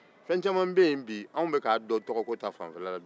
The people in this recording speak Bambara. anw bɛka fɛn caman dɔn tɔgɔko ta fanfɛla la